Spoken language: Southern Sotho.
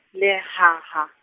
lehaha.